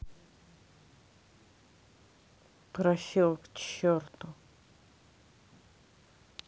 просил к черту